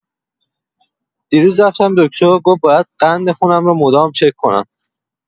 دیروز رفتم دکتر، گفت باید قند خونم رو مدام چک کنم.